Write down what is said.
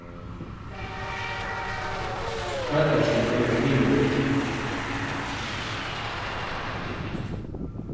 breiddarstig ganga hin vegin